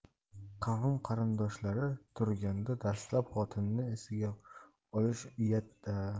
qavm qarindoshlari turganda dastlab xotinini esga olish uyatda